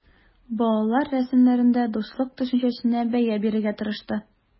Балалар рәсемнәрендә дуслык төшенчәсенә бәя бирергә тырышты.